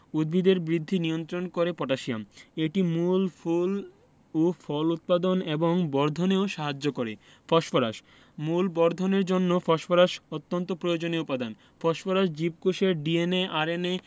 উদ্ভিদের বৃদ্ধি নিয়ন্ত্রণ করে পটাশিয়াম এটি মূল ফুল ও ফল উৎপাদন এবং বর্ধনেও সাহায্য করে ফসফরাস মূল বর্ধনের জন্য ফসফরাস অত্যন্ত প্রয়োজনীয় উপাদান ফসফরাস জীবকোষের DNA RNA